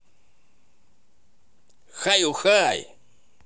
хаю хай